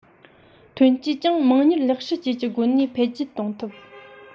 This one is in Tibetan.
ཐོན སྐྱེད ཀྱང མང མྱུར ལེགས བསྲི བཅས ཀྱི སྒོ ནས འཕེལ རྒྱས གཏོང ཐུབ